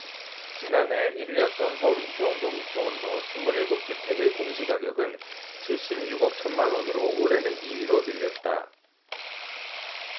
지난해 일 위였던 서울 이태원동 이태원로 스물 일곱 주택의 공시가격은 칠십 육 억 천 만원으로 올해는 이 위로 밀렸다